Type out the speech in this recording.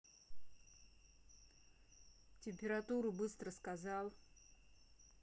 температуру быстро сказал